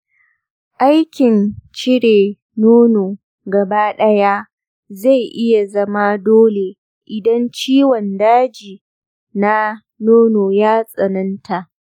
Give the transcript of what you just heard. aikin cire nono gaba daya zai iya zama dole idan ciwon daji na nono ya tsananta.